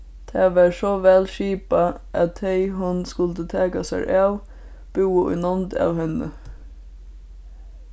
tað var so væl skipað at tey hon skuldi taka sær av búðu í nánd av henni